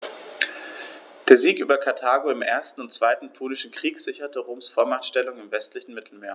Der Sieg über Karthago im 1. und 2. Punischen Krieg sicherte Roms Vormachtstellung im westlichen Mittelmeer.